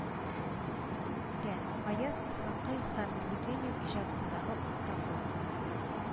Дә, гаяз исхакый һәм тургенев иҗатындагы уртаклык